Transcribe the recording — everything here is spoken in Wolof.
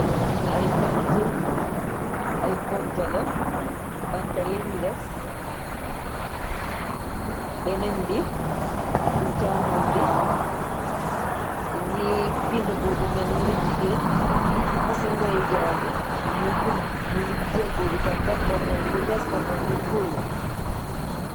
Ay bantu, Ay bantu la banta Yung les. Benen bi ci chàmoñ bi ñu ngi binda boobu melni jigéen ki ci ndejor bi ñu ngi jel boobu tam def ko melni les ko melni góor.